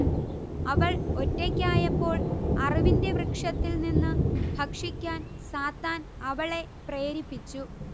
അവൾ ഒറ്റയ്ക്കായപ്പോൾ അറിവിന്റെ വൃക്ഷത്തിൽ നിന്നു ഭക്ഷിക്കാൻ സാത്താൻ അവളെ പ്രേരിപ്പിച്ചു